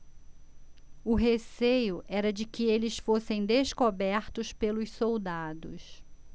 o receio era de que eles fossem descobertos pelos soldados